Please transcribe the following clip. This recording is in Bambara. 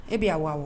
E bɛ wa wa